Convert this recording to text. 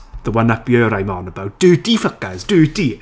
The one up here I'm on about. Dirty fuckers. Dirty!